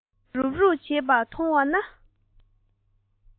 རུབ རུབ བྱེད པ མཐོང བ ན